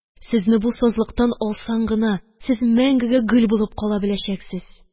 Сезне бу сазлыктан алсаң гына, сез мәңгегә гөл булып кала беләчәксез.